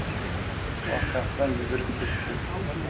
orqasidan yugurib ketdi